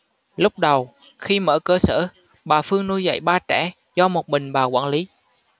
lúc đầu khi mở cơ sở bà phương nuôi dạy ba trẻ do một mình bà quản lý